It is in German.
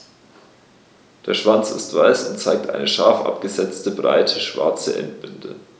Der Schwanz ist weiß und zeigt eine scharf abgesetzte, breite schwarze Endbinde.